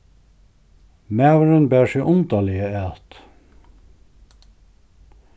maðurin bar seg undarliga at